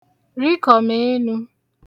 rịkọ̀m enū